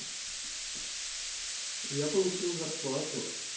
я получил зарплату